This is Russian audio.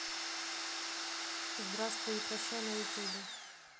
здравствуй и прощай на ютубе